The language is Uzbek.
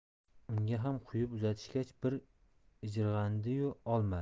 unga ham quyib uzatishgach bir ijirg'andi yu olmadi